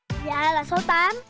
dạ là số tám